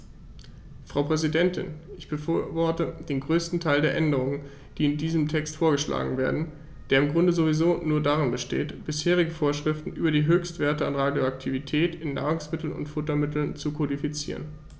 Frau Präsidentin, ich befürworte den größten Teil der Änderungen, die in diesem Text vorgeschlagen werden, der im Grunde sowieso nur darin besteht, bisherige Vorschriften über die Höchstwerte an Radioaktivität in Nahrungsmitteln und Futtermitteln zu kodifizieren.